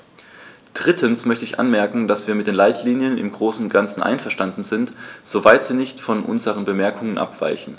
Drittens möchte ich anmerken, dass wir mit den Leitlinien im großen und ganzen einverstanden sind, soweit sie nicht von unseren Bemerkungen abweichen.